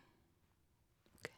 OK.